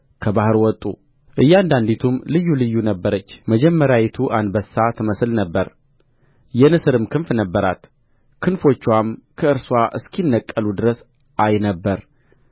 ከባሕር ወጡ እያንዳንዲቱም ልዩ ልዩ ነበረች መጀመሪያይቱ አንበሳ ትመስል ነበር የንስርም ክንፍ ነበራት ክንፎችዋም ከእርስዋ እስኪነቀሉ ድረስ አይ ነበር